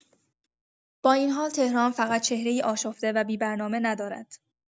با این حال تهران فقط چهره‌ای آشفته و بی‌برنامه ندارد.